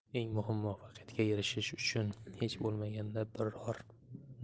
eng muhimi muvaffaqiyatga erishish uchun hech bo'lmaganda